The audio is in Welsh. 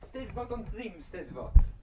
'Steddfod ond ddim 'Steddfod.